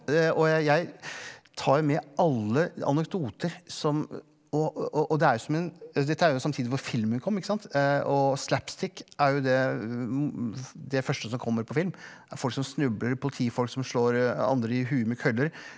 og jeg jeg tar jo med alle anekdoter som og og og det er jo som en dette er jo samtidig hvor filmen kom ikke sant og slapstick er jo det det første som kommer på film folk som snubler politifolk som slår andre i huet med køller.